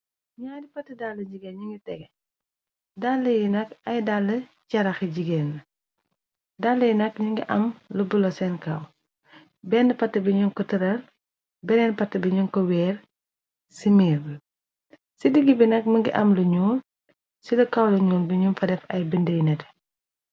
Naari pati daala jigéen ñongi tege dala yi nak ay dala caraxi jigéenn daala yi nak ñungi am lu bulo seen kaw bena pata bi nyun ko tërar beneen pata bi ñyun ko weer ci miir bi ci digi bi nak mongi am lu ñuul ci lu kaw lu ñuul nyun fa def ay binda yu nete.